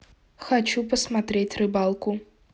хочу посмотреть рыбалку